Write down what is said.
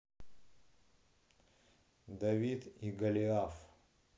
давид и голиаф